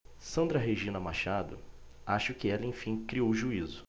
sandra regina machado acho que ela enfim criou juízo